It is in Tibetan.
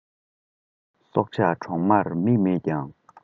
སྲོག ཆགས གྲོག མ མིག མེད ཀྱང